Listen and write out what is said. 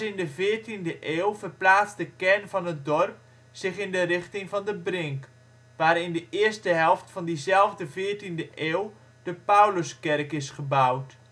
de veertiende eeuw verplaatst de kern van het dorp zich in de richting van de Brink, waar in de eerste helft van diezelfde veertiende eeuw de Pauluskerk is gebouwd